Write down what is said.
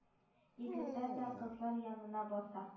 Егетләр дә кызлар янына баса